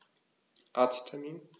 Arzttermin